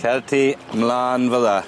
Cer ti ymlan fyl 'a.